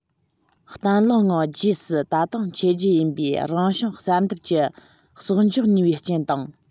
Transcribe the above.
བརྟན བརླིང ངང རྗེས སུ ད དུང འཆད རྒྱུ ཡིན པའི རང བྱུང བསལ འདེམས ཀྱི གསོག འཇོག ནུས པའི རྐྱེན དང